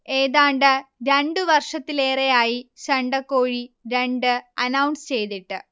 ഏതാണ്ട് രണ്ടു വർഷത്തിലേറെയായി ശണ്ഠക്കോഴി രണ്ട് അനൗൺസ് ചെയ്തിട്ട്